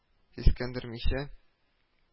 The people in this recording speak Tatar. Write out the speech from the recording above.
Сискәндермичә